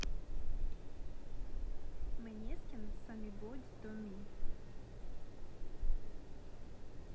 måneskin somebody to me